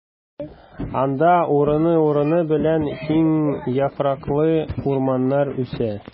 Анда урыны-урыны белән киң яфраклы урманнар үсә.